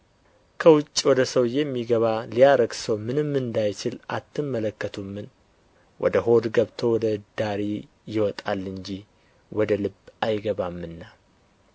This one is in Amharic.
ከውጭ ወደ ሰው የሚገባ ሊያረክሰው ምንም እንዳይችል አትመለከቱምን ወደ ሆድ ገብቶ ወደ እዳሪ ይወጣል እንጂ ወደ ልብ አይገባምና